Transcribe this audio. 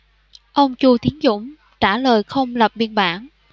ông chu tiến dũng trả lời không lập biên bản